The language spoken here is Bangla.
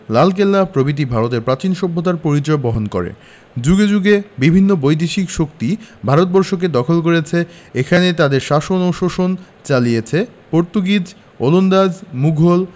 লালকেল্লা প্রভৃতি ভারতের প্রাচীন সভ্যতার পরিচয় বহন করেযুগে যুগে বিভিন্ন বৈদেশিক শক্তি ভারতবর্ষকে দখল করেছে এখানে তাদের শাসন ও শোষণ চালিছে পর্তুগিজ ওলন্দাজ মুঘল